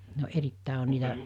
no erittäin oli niitä